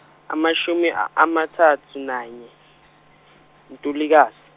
amashumi amathathu nanye uNtulukazi.